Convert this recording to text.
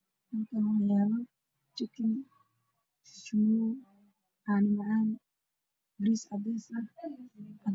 Waa saxan cadaan waxaa ku jiro jikin bariis khudaar cadaan ah miis ayuu saaran yahay